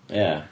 Ia.